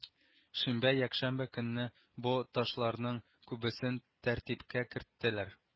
Шимбә-якшәмбе көнне бу ташларның күбесен тәртипкә керттеләр